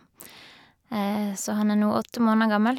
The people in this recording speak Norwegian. Så han er nå åtte måneder gammel.